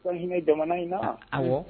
Ko hinɛ jamana in na